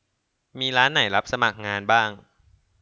มีร้านไหนรับสมัครงานบ้าง